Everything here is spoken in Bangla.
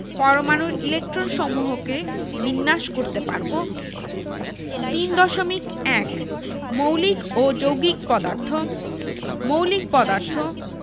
পরমাণুর ইলেকট্রনসমূহকে বিন্যাস করতে পারব ৩.১ মৌলিক ও যৌগিক পদার্থঃ মৌলিক পদার্থ